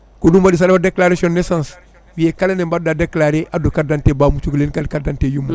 ko ɗum waɗi saɗa waɗa déclaration naissance wiye kala nde mbaɗɗa déclaré addu carte d' identité bamum cukalel carte d' identité yummum